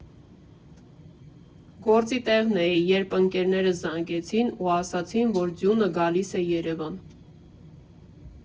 Գործի տեղն էի, երբ ընկերներս զանգեցին ու ասացին, որ ձյունը գալիս է Երևան։